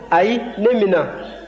ayi ne minna